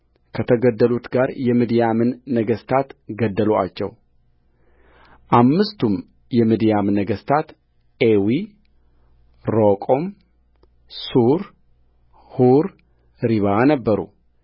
ከተገደሉትም ጋር የምድያምን ነገሥታት ገደሉአቸው አምስቱም የምድያም ነገሥታት ኤዊ ሮቆም ሱር ሑር ሪባ ነበሩ